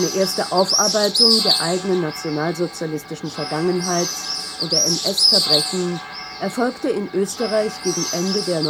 erste Aufarbeitung der eigenen nationalsozialistischen Vergangenheit und der NS-Verbrechen erfolgte in Österreich gegen Ende der